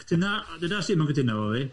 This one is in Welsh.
Cytuno- deuda os ti'm yn cytuno efo fi.